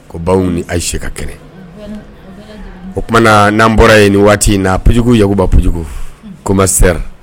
Ko baw ni ayise ka kɛnɛ oumana n'an bɔra yen nin waati in na pjugu yagoba p kojugu ko ma sera